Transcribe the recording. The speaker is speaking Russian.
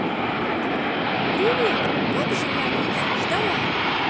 привет как же я вас ждала